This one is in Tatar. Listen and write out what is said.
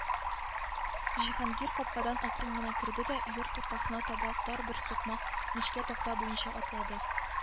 Җиһангир капкадан акрын гына керде дә йорт уртасына таба тар бер сукмак—нечкә такта буенча атлады.